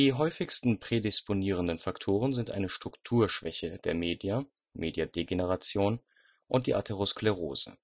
häufigsten prädisponierenden Faktoren sind eine Strukturschwäche der Media (Mediadegeneration) und die Atherosklerose